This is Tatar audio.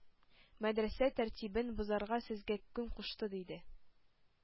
Мәдрәсә тәртибен бозарга сезгә кем кушты? - диде.